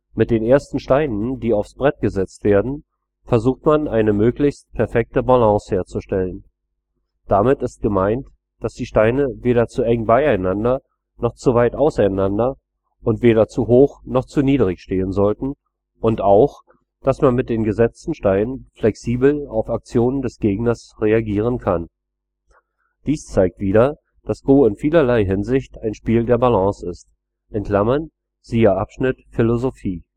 Mit den ersten Steinen, die aufs Brett gesetzt werden, versucht man eine möglichst perfekte Balance herzustellen. Damit ist gemeint, dass die Steine weder zu eng beieinander noch zu weit auseinander und weder zu hoch noch zu niedrig stehen sollten, und auch, dass man mit den gesetzten Steinen flexibel auf Aktionen des Gegners reagieren kann. Dies zeigt wieder, dass Go in vielerlei Hinsicht ein Spiel der Balance ist (siehe Abschnitt Philosophie